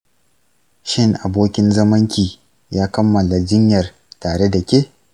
shin abokin zamanki ya kammala jinyar tare da ke?